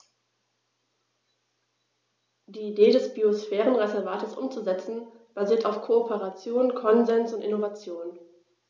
Die Idee des Biosphärenreservates umzusetzen, basiert auf Kooperation, Konsens und Innovation.